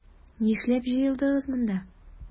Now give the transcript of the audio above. Нишләп җыелдыгыз монда?